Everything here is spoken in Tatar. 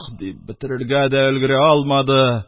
Дип бетерергә дә өлгерә алмады,